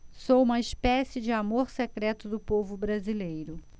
sou uma espécie de amor secreto do povo brasileiro